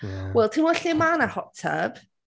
Wel, timod lle mae 'na hot tub?